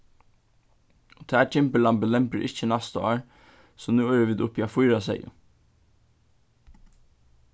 og tað gimburlambið lembir ikki næsta ár so nú eru vit uppi á fýra seyðum